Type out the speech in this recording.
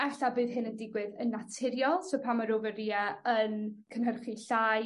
'Alla' bydd hyn yn digwydd yn naturiol so pan ma'r ofaria yn cynhyrchu llai